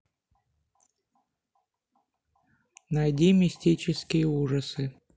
найди мистические ужасы